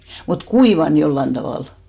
mutta kuivanut jollakin tavalla